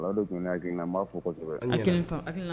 Don jɔn y'ana b'a fɔ